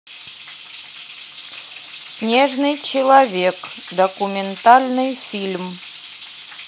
снежный человек документальный фильм